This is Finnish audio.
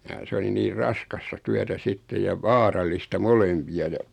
ja se oli niin raskasta työtä sitten ja vaarallista molempia ja